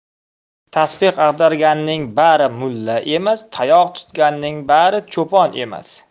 tasbeh ag'darganning bari mulla emas tayoq tutganning bail cho'pon emas